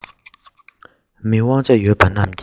མི དབང ཆ ཡོད པ རྣམས ཀྱིས